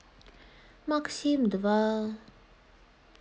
максим два